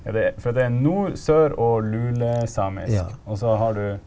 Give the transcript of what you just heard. ja det for at det er nord-, sør- og lulesamisk og så har du?